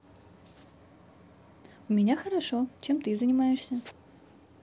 у меня хорошо чем ты занимаешься